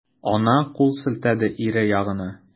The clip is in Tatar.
Ана кул селтәде ире ягына.